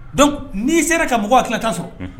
Donc ni sera ka mɔgɔ hakilina ta sɔrɔ.